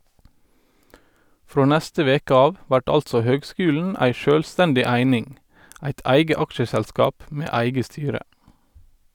Frå neste veke av vert altså høgskulen ei sjølvstendig eining , eit eige aksjeselskap med eige styre.